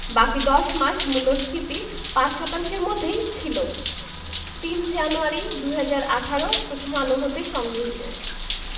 বাকি ১০ মাস মূল্যস্ফীতি ৫ শতাংশের মধ্যেই ছিল ০৩ জানুয়ারি ২০১৮ প্রথম আলো হতে সংগৃহীত